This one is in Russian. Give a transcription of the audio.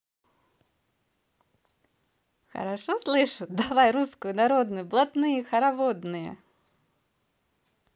хорошо слышу давай русскую народную блатные хороводные